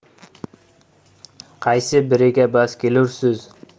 qaysi biriga bas kelursiz